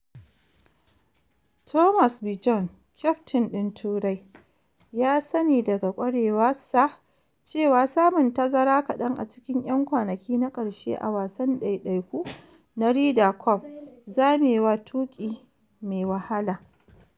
Thomas Bjorn, kyaftin din Turai, ya sani daga kwarewa sa cewa samun tazara kadan a cikin 'yan kwanaki na karshe a wasan daidaiku na Ryder Cup zamewa tuki ma wahala.